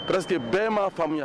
Presque bɛɛ ma faamuya.